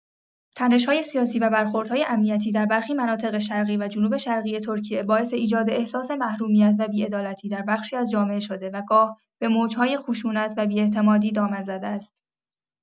تنش‌های سیاسی و برخوردهای امنیتی در برخی مناطق شرقی و جنوب‌شرقی ترکیه باعث ایجاد احساس محرومیت و بی‌عدالتی در بخشی از جامعه شده و گاه به موج‌های خشونت و بی‌اعتمادی دامن زده است.